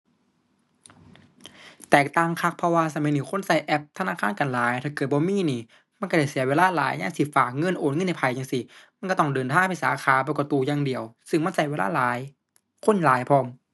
แตกต่างคัก เพราะว่าสมัยนี้คนใช้แอปธนาคารกันหลาย ถ้าเกิดบ่มีนี่มันใช้ได้เสียเวลาหลาย ยามสิฝากเงิน โอนเงินให้ไผจั่งซี้ มันใช้ต้องเดินทางไปสาขา ไปกดตู้อย่างเดียว ซึ่งมันใช้เวลาหลาย คนหลายพร้อม